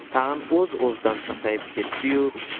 tag'in o'z o'zidan pasayib ketdi yu